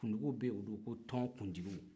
kuntigiw bɛ yen o don ko tɔnkuntigiw